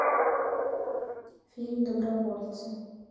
фильм добровольцы